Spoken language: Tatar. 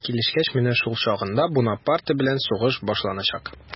Килешкәч, менә шул чагында Бунапарте белән сугыш башланачак.